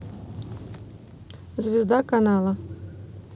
звезда канал